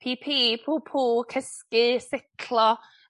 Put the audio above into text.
pî pî pŵ pŵ cysgu siclo